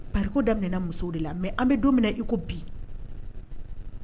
Pa daminɛna musow de la mɛ an bɛ don i ko bi